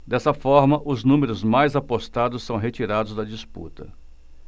dessa forma os números mais apostados são retirados da disputa